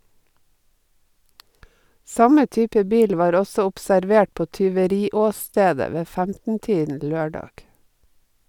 Samme type bil var også observert på tyveriåstedet ved 15-tiden lørdag.